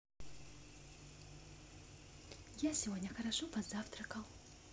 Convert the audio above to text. я сегодня хорошо позавтракал